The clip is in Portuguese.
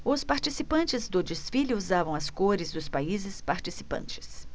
os participantes do desfile usavam as cores dos países participantes